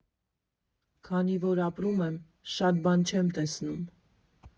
Քանի որ ապրում եմ՝ շատ բան չեմ տեսնում։